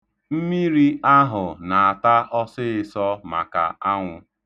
Mmiri ahụ na-ata ọsịịsọ maka anwụ.